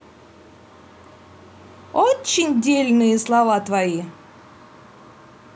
очень дельные слова твои